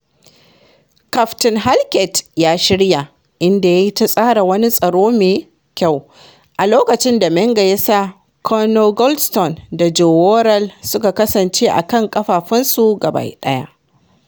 Kaftin Halkett ya shirya, inda ya yi ta tsara wani tsaro mai kyau, a lokacin da Menga ya sa Connor Goldson da Joe Worrall suka kasance a kan ƙafafunsu gaba ɗaya.